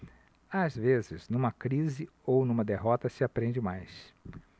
às vezes numa crise ou numa derrota se aprende mais